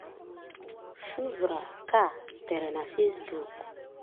Shuvra Kar dere na Facebook: